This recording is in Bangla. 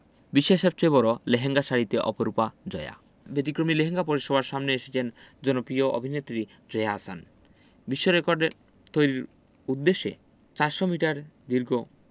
বিশ্বের সবচেয়ে বড় লেহেঙ্গা শাড়িতে অপরূপা জয়া ব্যতিক্রমী লেহেঙ্গা পরে সবার সামনে এসেছেন জনপ্রিয় অভিনেত্রী জয়া আহসান বিশ্বরেকর্ড তৈরির উদ্দেশ্যে ৪০০ মিটার দীর্ঘ